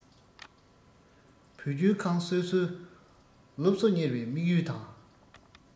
བུ བཅོལ ཁང སོ སོས སློབ གསོ གཉེར བའི དམིགས ཡུལ དང